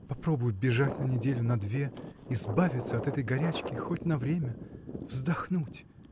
— Попробую бежать на неделю, на две: избавиться этой горячки, хоть на время. вздохнуть!